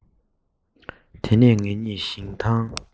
དེ ནས ངེད གཉིས ཞིང ཐང